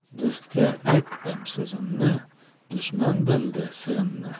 do'stga aytdim so'zimni dushman bildi sirimni